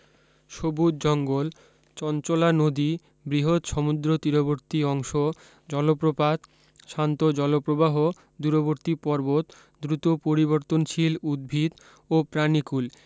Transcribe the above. সবুজ জঙ্গল চঞ্চলা নদী বৃহত সমুদ্র তীরবর্তী অংশ জলপ্রপাত শান্ত জলপ্রবাহ দূরবর্তী পর্বত দ্রুত পরিবর্তনশীল উদ্ভিদ ও প্রানীকুল